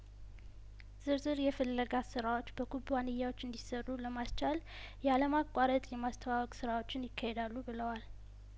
ዝርዝር የፍለጋ ስራዎች በኩባንያዎች እንዲሰሩ ለማስቻል ያለማቋረጥ የማስተዋወቅ ስራዎችን ይካሄዳሉ ብለዋል